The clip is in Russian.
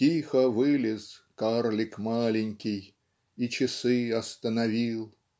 Тихо вылез карлик маленький И часы остановил.